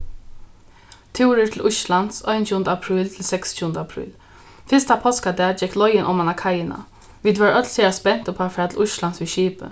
túrur til íslands einogtjúgunda apríl til seksogtjúgunda apríl fyrsta páskadag gekk leiðin oman á kaiina vit vóru øll sera spent upp á at fara til íslands við skipi